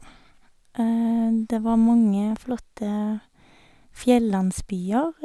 Det var mange flotte fjellandsbyer.